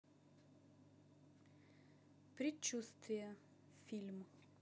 предчувствие фильм